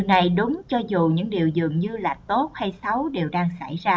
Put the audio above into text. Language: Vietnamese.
điều này đúng cho dù những điều dường như tốt hay xấu đang xảy ra